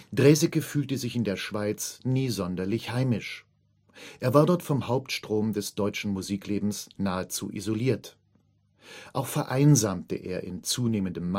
Draeseke fühlte sich in der Schweiz nie sonderlich heimisch. Er war dort vom Hauptstrom des deutschen Musiklebens nahezu isoliert. Auch vereinsamte er in zunehmendem